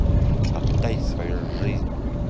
отдай свою жизнь